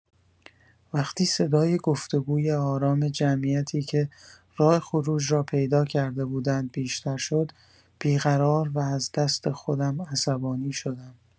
وقتی صدای گفت‌وگوی آرام جمعیتی که راه خروج را پیدا کرده بودند بیشتر شد، بی‌قرار و از دست خودم عصبانی شدم.